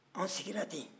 anw sigira ten